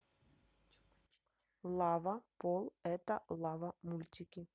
лава пол это лава мультики